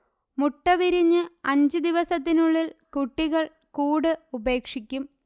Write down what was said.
മുട്ട വിരിഞ്ഞ് അഞ്ച് ദിവസത്തിനുള്ളിൽ കുട്ടികൾ കൂട് ഉപേക്ഷിക്കും